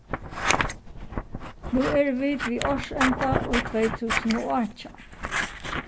nú eru vit við ársenda í tvey túsund og átjan